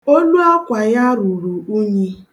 Oluakwa ya ruru unyi